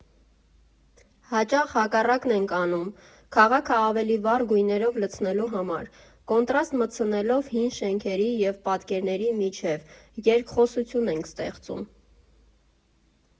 Հաճախ հակառակն ենք անում՝ քաղաքը ավելի վառ գույներով լցնելու համար։ Կոնտրաստ մտցնելով հին շենքերի և պատկերների միջև՝ երկխոսություն ենք ստեղծում։